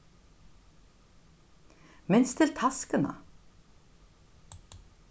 minst til taskuna